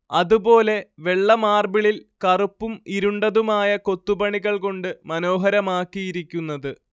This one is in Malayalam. അതുപോലെ വെള്ള മാർബിളിൽ കറുപ്പും ഇരുണ്ടതുമായ കൊത്തുപണികൾ കൊണ്ട് മനോഹരമാക്കിയിരിക്കുന്നത്